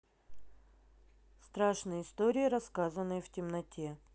страшные истории рассказанные в темноте